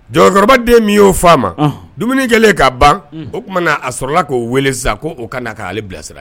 Cɛkɔrɔba den min y'o fa ma dumuni kɛlen kaa ban oumana a sɔrɔla k'o weele sa ko o kana kaale bilasira